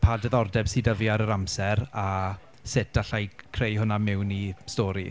Pa diddordeb sy 'da fi ar yr amser a sut alla i creu hwnna mewn i stori.